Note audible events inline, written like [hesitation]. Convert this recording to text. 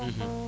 [hesitation] [hesitation]